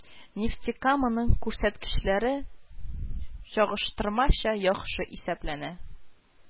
Нефтекаманың күрсәткечләре чагыштырмача яхшы исәпләнә